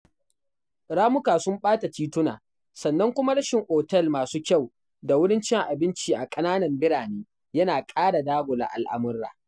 Ramuka sun ɓata tituna sannan kuma rashin otel masu kyau da wurin cin abinci a ƙananan birane yana ƙara dagula al'amura.